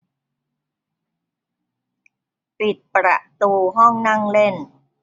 ปิดประตูห้องนั่งเล่น